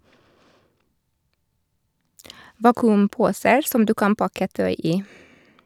- Vakuumposer som du kan pakke tøy i.